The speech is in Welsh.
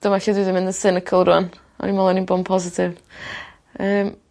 Dyma lle dwi 'di mynd yn cynical rŵan o'n i'n me'wl o'n i'n bo'n positif yym